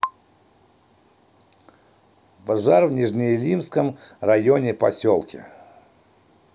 пожар в нижнеилимском районе поселке